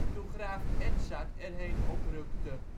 toen graaf Edzard erheen oprukte